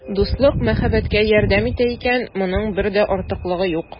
Дуслык мәхәббәткә ярдәм итә икән, моның бер дә артыклыгы юк.